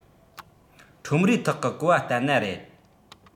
ཁྲོམ རའི ཐོག གི གོ བ ལྟར ན རེད